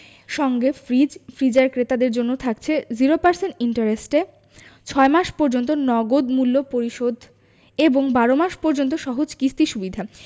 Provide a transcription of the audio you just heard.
সঙ্গে ফ্রিজ/ফ্রিজার ক্রেতাদের জন্য থাকছে ০% ইন্টারেস্টে ৬ মাস পর্যন্ত নগদ মূল্য পরিশোধ এবং ১২ মাস পর্যন্ত সহজ কিস্তি সুবিধা